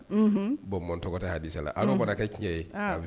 Bɔn tɔgɔ tɛ ha disa a bɔra kɛ tiɲɛ ye